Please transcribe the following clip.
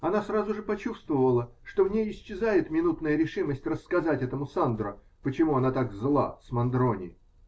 Она сразу же почувствовала, что в ней исчезает минутная решимость рассказать этому Сандро, почему она так "зла" с Мандрони.